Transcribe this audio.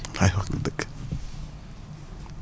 bilaay wax nga dëgg